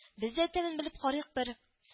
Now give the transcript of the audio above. – без дә тәмен белеп карыйк бер